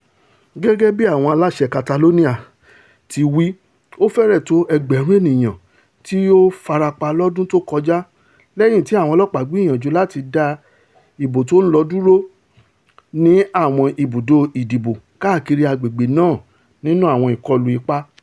Gẹ́gẹ́bí àwọn aláṣẹ Catalonia ti wí ó fẹ́rẹ̀ tó ẹgbẹ̀rún ènìyàn tí ó farapa lọ́dún tó kọjá lẹ́yìn tí àwọn ọlọ́ọ̀pá gbìyànjú láti dá ìbò tó ńlọ dúró ní àwọn ibùdó ìdìbò káàkiri agbègbè̀̀ náà nínú àwọn ìkọlù ipá.